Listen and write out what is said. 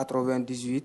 98